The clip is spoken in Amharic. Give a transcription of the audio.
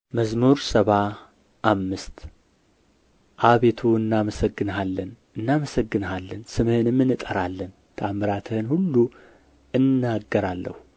መዝሙር ሰባ አምስት አቤቱ እናመሰግንሃለን እናመሰግንሃለን ስምህንም እንጠራለን ተኣምራትህን ሁሉ እናገራለሁ